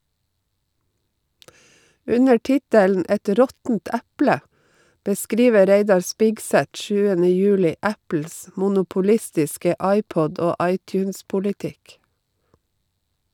Under tittelen "Et råttent eple" beskriver Reidar Spigseth 7. juli Apples monopolistiske iPod- og iTunes-politikk.